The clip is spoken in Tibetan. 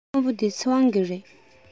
སྔོན པོ འདི ཚེ དབང གི རེད